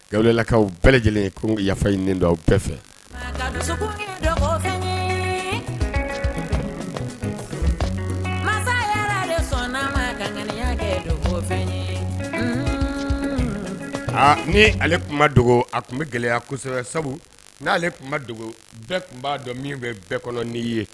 Galakaw bɛɛ lajɛlen ye kun yafa bɛɛ fɛ ma kɛ ye ni ale tun dogo a tun bɛ gɛlɛya kosɛbɛ sabu n'ale dogo bɛɛ tun b'a dɔn min bɛ bɛɛ kɔnɔ ni ye